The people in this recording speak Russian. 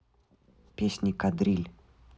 песни кадриль